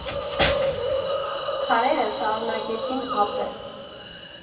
Քարերը շարունակեցին ապրել։